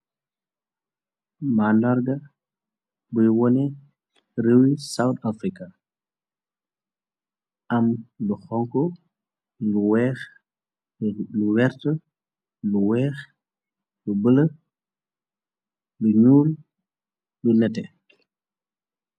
malarga buy wone ruwi south africa am lu xonko wlu wert lu weex lu bële buy ñuur lu nete